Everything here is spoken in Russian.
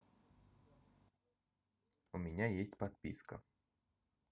у меня есть подписка